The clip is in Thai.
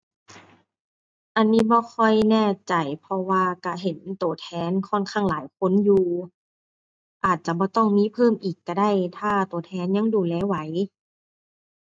อันนี้บ่ค่อยแน่ใจ เพราะว่าก็เห็นก็แทนค่อนข้างหลายคนอยู่ อาจจะบ่ต้องมีเพิ่มอีกก็ได้ ถ้าก็แทนยังดูแลไหว